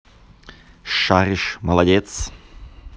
шаришь молодец